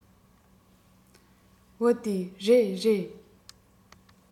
བུ དེས རེད རེད